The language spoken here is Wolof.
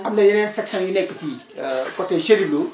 am na yeneen sections yu nekk fii côté Cherif Lo